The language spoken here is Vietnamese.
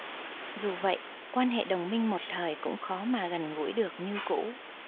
dù vậy quan hệ đồng minh một thời cũng khó mà gần gũi được như cũ